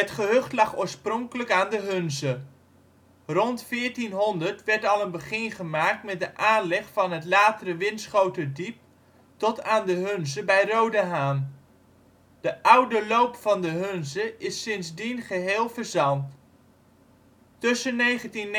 gehucht lag oorspronkelijk aan de Hunze. Rond 1400 werd al een begin gemaakt met de aanleg van het latere Winschoterdiep tot aan de Hunze bij Roodehaan. De oude loop van de Hunze is sindsdien geheel verzand. Tussen 1929 en 1941